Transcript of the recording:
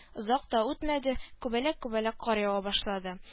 Озак та үтмәде, күбәләк-күбәләк кар ява башлады